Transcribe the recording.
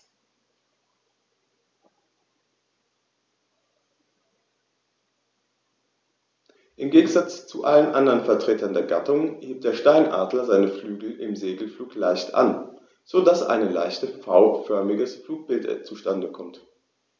Im Gegensatz zu allen anderen Vertretern der Gattung hebt der Steinadler seine Flügel im Segelflug leicht an, so dass ein leicht V-förmiges Flugbild zustande kommt.